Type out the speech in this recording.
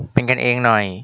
เป็นกันเองหน่อย